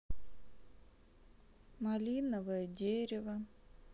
малиновое дерево